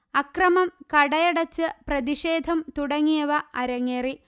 അക്രമം കടയടച്ചു പ്രതിഷേധം തുടങ്ങിയവ അരങ്ങേറി